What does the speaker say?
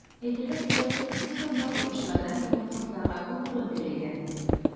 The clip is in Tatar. Әйтергә кирәк, бу санда укучылардан килгән хатларга күп урын бирелгән.